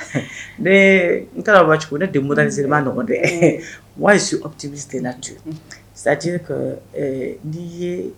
N taara waaticogo ne de nin sen' dɛ waati sutibi sen to sa ye